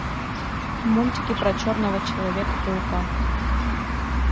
мультики про черного человека паука